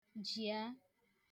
jịà